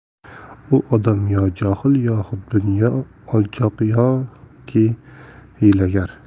u odam yo johil yo xudbin yo olchoq yoki hiylagar